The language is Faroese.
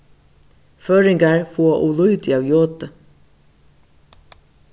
føroyingar fáa ov lítið av jodi